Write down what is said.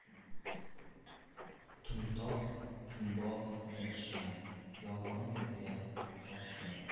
to'mtoq jumboq aytishma yolg'on gapga qotishma